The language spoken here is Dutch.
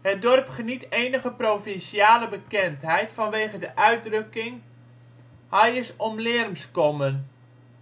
Het dorp geniet enige provinciale bekendheid vanwege de uitdrukking: Hai is om Leerms kommen